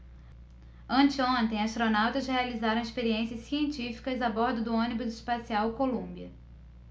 anteontem astronautas realizaram experiências científicas a bordo do ônibus espacial columbia